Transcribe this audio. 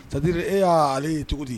ça dire e ye ale ye cogo di ?